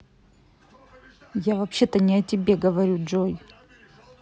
я вообще то не о тебе говорю джой